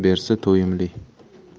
mehnat bersa to'yimli